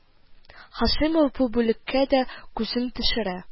Һашимов бу бүлеккә дә күзен төшерә